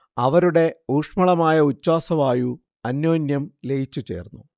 അവരുടെ ഊഷ്മളമായ ഉച്ഛ്വാസവായു അന്യോന്യം ലയിച്ചു ചേർന്നു